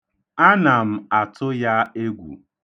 Ana m atụ ya egwu.